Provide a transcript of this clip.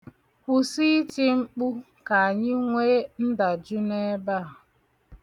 Kwụsị iti mkpu ka anyị nwe ndajụ n'ebe a.